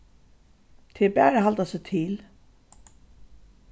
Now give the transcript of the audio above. tað er bara at halda seg til